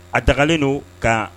A dagalen don ka